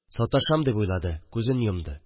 Саташам дип уйлады – күзен йомды